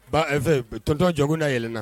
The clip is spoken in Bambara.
Ba ɛ fɛ tonton Jɔnkuda yɛlɛn na.